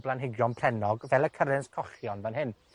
blanhigion prennog fel y cyrrens cochion fan hyn.